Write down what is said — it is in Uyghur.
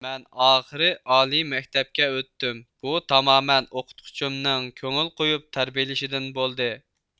مەن ئاخىرى ئالىي مەكتەپكە ئۆتتۈم بۇ تامامەن ئوقۇتقۇچىمنىڭ كۆڭۈل قويۇپ تەربىيىلىشىدىن بولدى